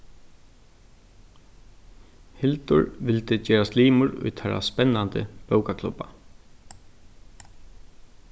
hildur vildi gerast limur í teirra spennandi bókaklubba